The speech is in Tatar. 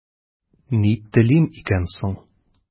Ни телим икән соң?